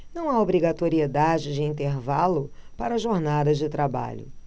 não há obrigatoriedade de intervalo para jornadas de trabalho